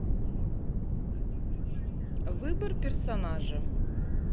выбор персонажа